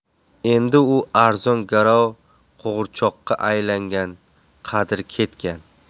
endi u arzon garov qo'g'irchoqqa aylangan qadri ketgan